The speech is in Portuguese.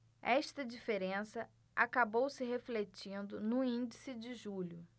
esta diferença acabou se refletindo no índice de julho